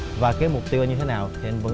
và cái mục tiêu anh như thế nào thì anh vẫn